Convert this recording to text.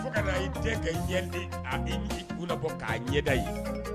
Fo ka na i dɛn k’i ɲɛden k’i kun labɔ k'a ɲɛda ye.